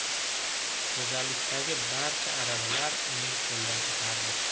xo'jalikdagi barcha aravalar uning qo'lidan o'tardi